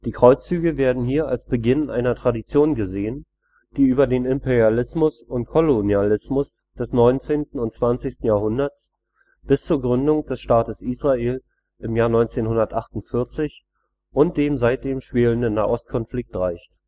Kreuzzüge werden hier als Beginn einer Tradition gesehen, die über den Imperialismus und Kolonialismus des 19. und 20. Jahrhunderts bis zur Gründung des Staates Israel im Jahr 1948 und dem seitdem schwelenden Nahostkonflikt reicht